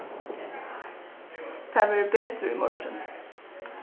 tað verður betur í morgin